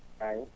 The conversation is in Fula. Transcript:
eeyi